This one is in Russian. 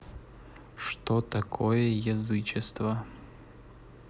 что такое язычество